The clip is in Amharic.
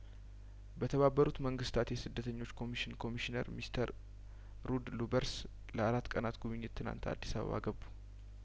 በተባበሩት መንግስታት የስደተኞች ኮሚሽን ኮሚሽነር ሚስተር ሩድሉ በርስ ለአራት ቀናት ጉብኝት ትናንት አዲስ አበባ ገቡ